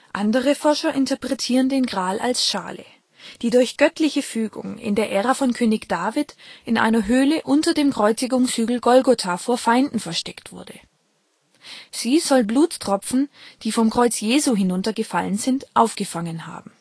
Andere Forscher interpretieren den Gral als Schale, die durch göttliche Fügung in der Ära von König David in einer Höhle unter dem Kreuzigungshügel Golgota vor Feinden versteckt wurde. Sie soll Blutstropfen, die vom Kreuz Jesu hinuntergefallen sind, aufgefangen haben